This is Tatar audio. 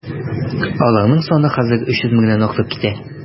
Аларның саны хәзер 300 меңнән артып китә.